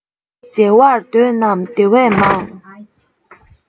འབྱལ བར འདོད རྣམས དེ བས མང